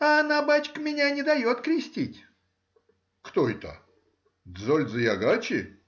— А она, бачка, меня не дает крестить. — Кто это? Дзол-Дзаягачи?